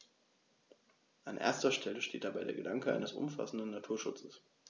An erster Stelle steht dabei der Gedanke eines umfassenden Naturschutzes.